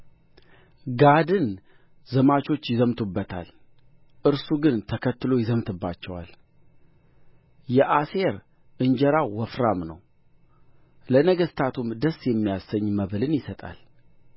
ጋድን ዘማቾች ይዘምቱበታል እርሱ ግን ተከታትሎ ይዘምትባቸዋል የአሴር እንጀራው ወፍራም ነው ለነገሥታቱም ደስ የሚያሰኝ መብልን ይሰጣል